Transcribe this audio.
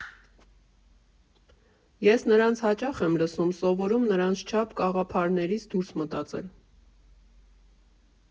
Ես նրանց հաճախ եմ լսում, սովորում նրանց չափ կաղապարներից դուրս մտածել։